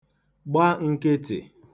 gba nkịtị̀